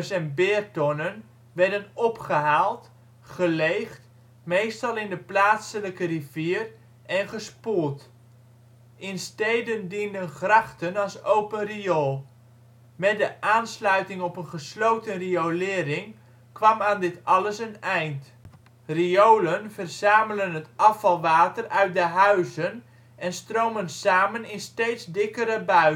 en beertonnen) werden opgehaald, geleegd (meestal in de plaatselijke rivier) en gespoeld. In steden dienden grachten als open riool. Met de aansluiting op een gesloten riolering kwam aan dit alles een eind. Riolen verzamelen het afvalwater uit de huizen en stromen samen in steeds dikkere buizen. Het